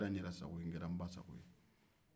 n kɛra n yɛrɛ ni n ba sago ye